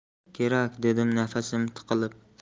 kerak dedim nafasim tiqilib